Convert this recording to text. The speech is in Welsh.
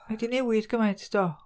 Mae 'di newid gymaint do.